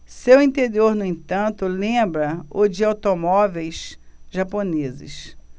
seu interior no entanto lembra o de automóveis japoneses